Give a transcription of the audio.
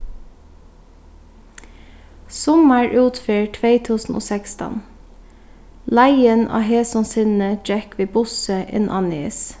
summarútferð tvey túsund og sekstan leiðin á hesum sinni gekk við bussi inn á nes